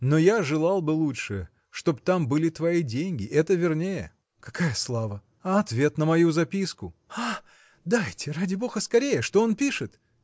но я желал бы лучше, чтоб там были твои деньги: это вернее. – Какая слава? – А ответ на мою записку. – Ах! дайте, ради бога, скорее. Что он пишет?